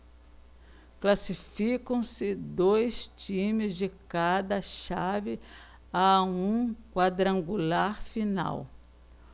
classificam-se dois times de cada chave a um quadrangular final